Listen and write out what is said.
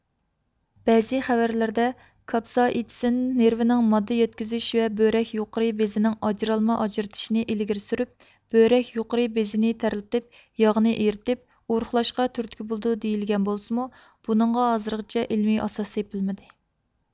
بەزى خەۋەرلەردە كاپزائىتسىن نېرۋىنىڭ ماددا يەتكۈزۈش ۋە بۆرەك يۇقىرى بېزىنىڭ ئاجرالما ئاجرىتىشىنى ئىلگىرى سۈرۈپ بۆرەك يۇقىرى بېزىنى تەرلىتىپ ياغنى ئېرىتىپ ئورۇقلاشقا تۈرتكە بولىدۇ دېيىلگەن بولسىمۇ بۇنىڭغا ھازىرغىچە ئىلمىي ئاساس تېپىلمىدى